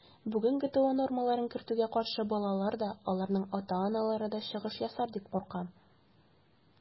Бүген ГТО нормаларын кертүгә каршы балалар да, аларның ата-аналары да чыгыш ясар дип куркам.